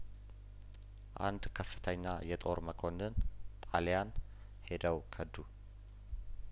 አንድ ከፍተኛ የጦር መኮንን ጣሊያን ሄደው ከዱ